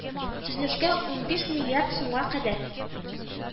Төзелешкә ун биш миллиард сумга кадәр